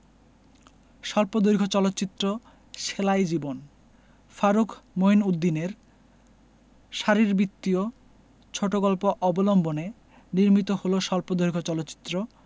স্বল্পদৈর্ঘ্য চলচ্চিত্র সেলাই জীবন ফারুক মইনউদ্দিনের শরীরবৃত্তীয় ছোট গল্প অবলম্বনে নির্মিত হল স্বল্পদৈর্ঘ্য চলচ্চিত্র